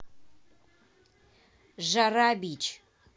жара бич